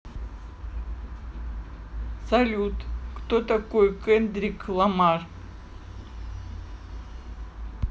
салют кто такой kendrick lamar